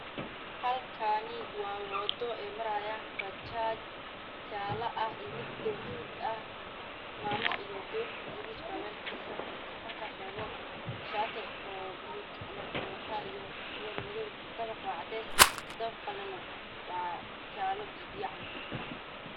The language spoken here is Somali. Halkaan waa wado ay maraayaan bajaajyo